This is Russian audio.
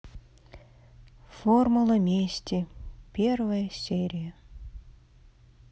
формула мести первая серия